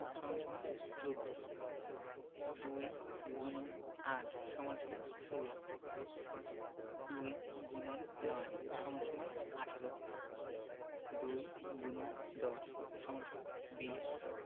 = ১৪ ২ X ৮ = ১৬ ২ X ৯ = ১৮ ২ ×১০ = ২০